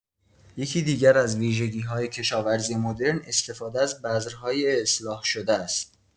یکی دیگر از ویژگی‌های کشاورزی مدرن، استفاده از بذرهای اصلاح‌شده است.